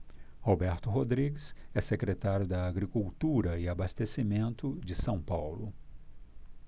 roberto rodrigues é secretário da agricultura e abastecimento de são paulo